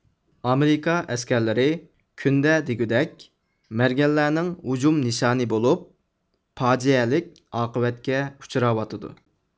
ئامېرىكا ئەسكەرلىرى كۈندە دېگۈدەك مەرگەنلەرنىڭ ھۇجۇم نىشانى بولۇپ پاجىئەلىك ئاقىۋەتكە ئۇچراۋاتىدۇ